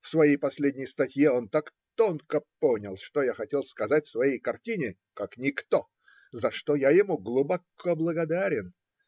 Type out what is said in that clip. В своей последней статье он так тонко понял, что я хотел сказать своей картиной, как никто, за что я ему глубоко благодарен.